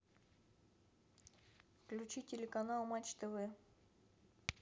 включи телеканал матч тв